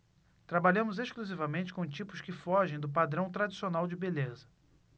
trabalhamos exclusivamente com tipos que fogem do padrão tradicional de beleza